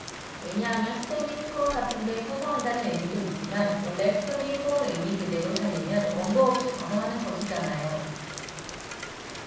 왜냐하면 스탠딩 토론 같은 게 서서 한다는 의미도 있지만 원래 스탠딩 토론 의미 그대로 살리면 원고 없이 가서 하는 것이잖아요